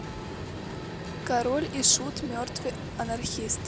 король и шут мертвый анархист